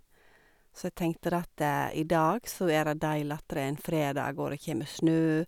Så jeg tenkte det at i dag så er det deilig at det er en fredag, og det kjeme snø.